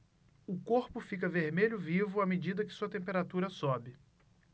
o corpo fica vermelho vivo à medida que sua temperatura sobe